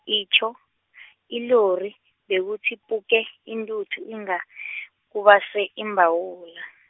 itjho, ilori, bekuthi puke intuthu inga , kubaswe imbawula.